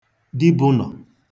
dibụ̄nọ̀